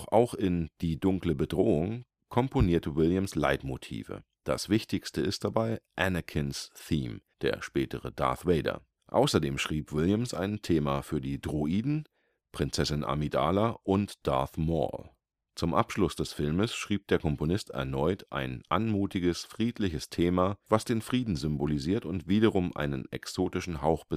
auch in Die dunkle Bedrohung komponierte Williams Leitmotive. Das wichtigste ist dabei „ Anakin 's Theme “(der spätere Darth Vader). Außerdem schrieb Williams ein Thema für die Droiden, Prinzessin Amidala und Darth Maul. Zum Abschluss des Filmes schrieb der Komponist erneut ein anmutiges, friedliches Thema, was den Frieden symbolisiert und wiederum einen exotischen Hauch besitzt